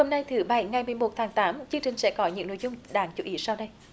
hôm nay thứ bảy ngày mười một tháng tám chương trình sẽ có những nội dung đáng chú ý sau đây